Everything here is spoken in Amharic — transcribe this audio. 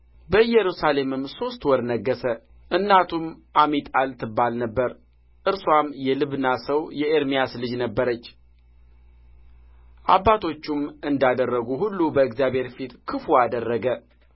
በኢየሩሳሌምም ሦስት ወር ነገሠ እናቱም አሚጣል ትባል ነበር እርስዋም የልብና ሰው የኤርምያስ ልጅ ነበረች አባቶቹም እንዳደረጉ ሁሉ በእግዚአብሔር ፊት ክፉ አደረገ